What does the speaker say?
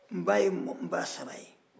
nba ye mɔgɔkunba saba ye